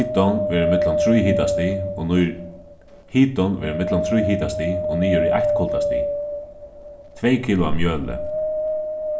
hitin verður millum trý hitastig hitin verður millum trý hitastig og niður í eitt kuldastig tvey kilo av mjøli